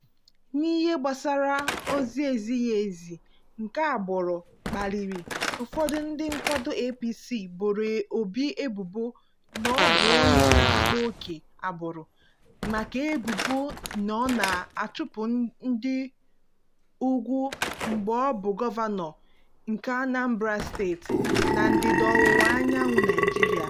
N'ihe gbasara ozi ezighi ezi nke agbụrụ kpaliri, ụfọdụ ndị nkwado APC boro Obi ebubo na ọ bụ onye na-akpa ókè agbụrụ maka ebubo na ọ na-achụpụ ndị ugwu mgbe ọ bụ gọvanọ nke Anambra State, na ndịda ọwụwa anyanwụ Naịjirịa.